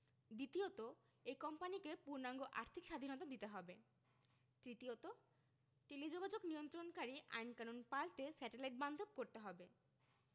দ্বিতীয়ত এই কোম্পানিকে পূর্ণাঙ্গ আর্থিক স্বাধীনতা দিতে হবে তৃতীয়ত টেলিযোগাযোগ নিয়ন্ত্রণকারী আইনকানুন পাল্টে স্যাটেলাইট বান্ধব করতে হবে